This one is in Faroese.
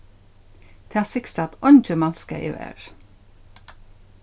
tað sigst at eingin mannskaði var